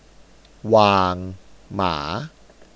วางหมา